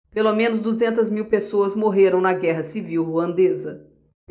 pelo menos duzentas mil pessoas morreram na guerra civil ruandesa